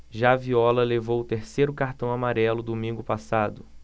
já viola levou o terceiro cartão amarelo domingo passado